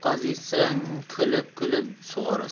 qazisang kulib kulib sug'orasan